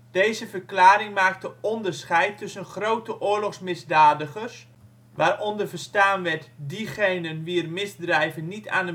Deze verklaring maakt onderscheid tussen grote oorlogsmisdadigers, waaronder verstaan werd diegenen wier misdrijven niet aan